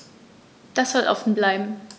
Das soll offen bleiben.